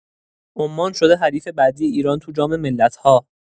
عمان شده حریف بعدی ایران توی جام ملت‌ها.